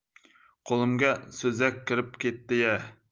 qo'limga so'zak kirib ketdi ya